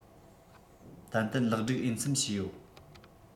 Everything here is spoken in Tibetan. ཏན ཏན ལེགས སྒྲིག འོས འཚམས བྱས ཡོད